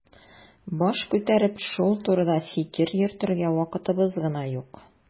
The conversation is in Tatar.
Баш күтәреп шул турыда фикер йөртергә вакытыбыз гына юк.